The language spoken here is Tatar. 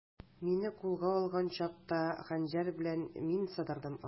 Мине кулга алган чакта, хәнҗәр белән мин сыдырдым аңа.